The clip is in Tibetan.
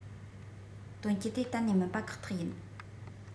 དོན སྤྱི དེ གཏན ནས མིན པ ཁག ཐག ཡིན